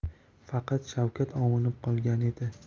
faqat shavkat ovunib qolgan edi